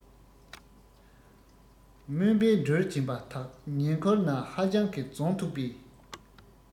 རྨོངས པས འདྲུལ གྱིན པ དག ཉེ འཁོར ན ཧ ཅང གི རྫོང མཐུག པས